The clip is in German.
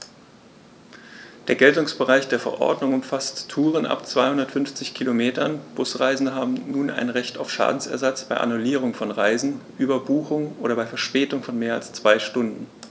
Der Geltungsbereich der Verordnung umfasst Touren ab 250 Kilometern, Busreisende haben nun ein Recht auf Schadensersatz bei Annullierung von Reisen, Überbuchung oder bei Verspätung von mehr als zwei Stunden.